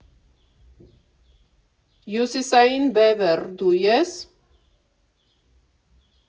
Հյուսիսային բևեռ, դու ե՞ս։